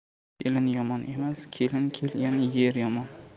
kelin yomon emas kelin kelgan yer yomon